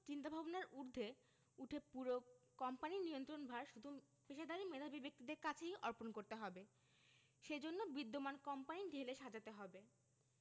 চিন্তাভাবনার ঊর্ধ্বে উঠে পুরো কোম্পানির নিয়ন্ত্রণভার শুধু পেশাদারি মেধাবী ব্যক্তিদের কাছেই অর্পণ করতে হবে সে জন্য বিদ্যমান কোম্পানি ঢেলে সাজাতে হবে